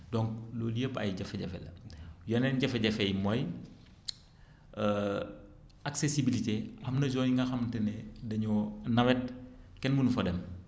donc loolu yépp ay jafe-jafe la yeneen jafe-jafe yi mooy accesibilité am na zone yi nga xamante ne dañoo nawet kenn mënu fa dem